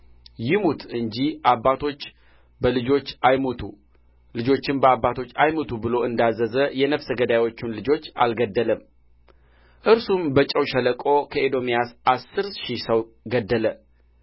ይሙት እንጂ አባቶች በልጆች አይሙቱ ልጆችም በአባቶች አይሙቱ ብሎ እንዳዘዘ የነፍሰ ገዳዮቹን ልጆች አልገደለም እርሱም በጨው ሸለቆ ከኤዶምያስ አሥር ሺህ ሰው ገደለ